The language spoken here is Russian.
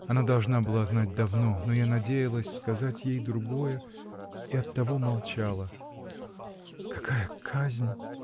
Она должна была знать давно, но я надеялась сказать ей другое. и оттого молчала. Какая казнь!